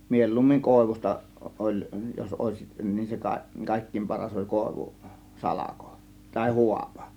mieluummin koivusta oli jos olisi niin se - kaikkein paras oli koivu salko tai haapa